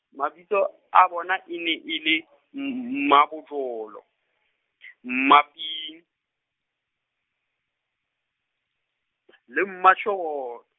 mabitso , a bona e ne e le , m- Mmabojolo , Mmaping, le Mmatjho-.